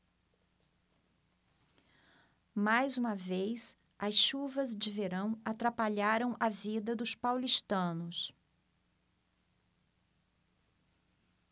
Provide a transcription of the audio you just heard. mais uma vez as chuvas de verão atrapalharam a vida dos paulistanos